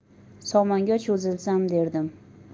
somonga cho'zilsam derdim